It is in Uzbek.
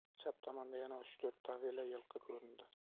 chap tomonda yana uch to'rt tavila yilqi ko'rindi